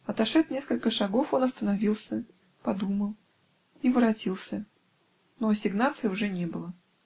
Отошед несколько шагов, он остановился, подумал. и воротился. но ассигнаций уже не было.